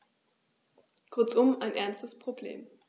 Kurzum, ein ernstes Problem.